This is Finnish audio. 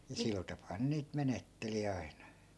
ja sillä tapaa ne niitä menetteli aina